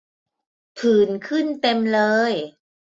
ผื่นขึ้นเต็มเลย